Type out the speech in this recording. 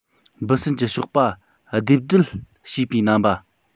འབུ སྲིན གྱི གཤོག པ ལྟེབ སྒྲིལ བྱས པའི རྣམ པ